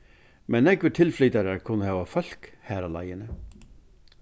men nógvir tilflytarar kunna hava fólk har á leiðini